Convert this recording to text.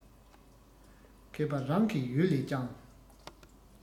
མཁས པ རང གི ཡུལ བས ཀྱང